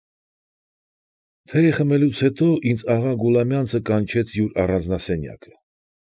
Թեյ խմելուց հետո ինձ աղա Գուլամյանցը կանչեց յուր առանձնասենյակը։